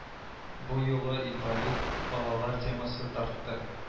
Бу юлы инвалид балалар темасы тартты